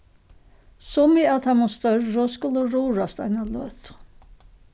summi av teimum størru skulu rurast eina løtu